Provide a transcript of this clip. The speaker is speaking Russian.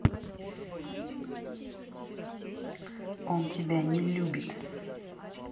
он тебя не любит